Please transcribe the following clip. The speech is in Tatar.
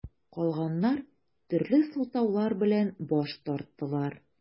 Калганнар төрле сылтаулар белән баш тарттылар.